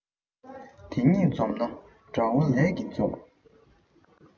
དེ གཉིས འཛོམས ན དགྲ བོ ལས ཀྱིས འཇོམས